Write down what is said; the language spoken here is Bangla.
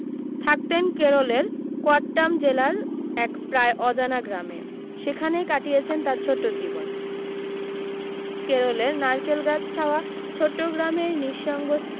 থাকতেন কেরলের কোট্টায়াম জেলার এক প্রায় অজানা গ্রামে সেখানেই কাটিয়েছেন তাঁর ছোট্ট জীবন কেরলের নারকেলগাছ ছাওয়া ছোট্ট গ্রামের নিসঙ্গ